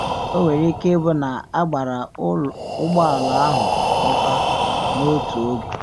Ọ nwere ike ịbụ na agbara ụgbọ ala ahụ ụta n’otu oge.